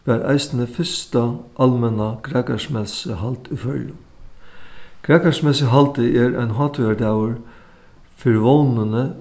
var eisini fyrsta almenna grækarismessuhald í føroyum grækarismessuhaldið er ein hátíðardagur fyri vónini